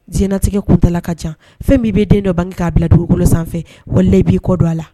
Diɲɛlatigɛ kuntaala ka jan, fɛn min i bɛ den dɔ bange k'a bila dugukolo sanfɛ, wallahi i b'i k'i kɔdɔ a la.